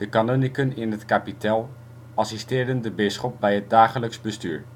kanunniken in het kapittel assisteren de bisschop bij het dagelijks bestuur